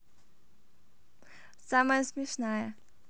самая смешная